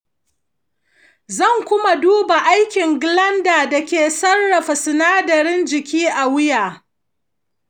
zan kuma duba aikin glandar da ke sarrafa sinadaran jiki a wuya.